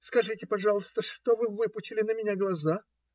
- Скажите, пожалуйста, что вы выпучили на меня глаза?.